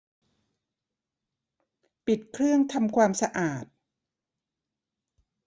ปิดเครื่องทำสะอาด